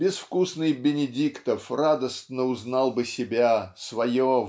Безвкусный Бенедиктов радостно узнал бы себя свое